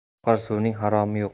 oqar suvning haromi yo'q